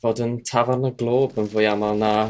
fod yn tafarn Y Glob yn fwy amal na